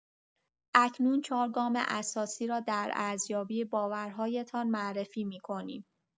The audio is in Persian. اکنون چهار گام اساسی را در ارزیابی باورهایتان معرفی می‌کنیم.